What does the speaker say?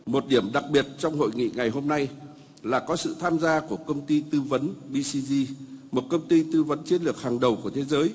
một điểm đặc biệt trong hội nghị ngày hôm nay là có sự tham gia của công ty tư vấn bi xi gi một công ty tư vấn chiến lược hàng đầu của thế giới